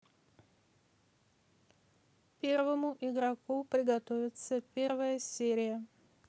первому игроку приготовиться первая серия